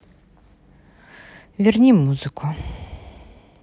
верни музыку